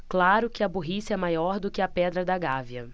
claro que a burrice é maior do que a pedra da gávea